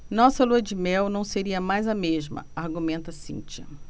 nossa lua-de-mel não seria mais a mesma argumenta cíntia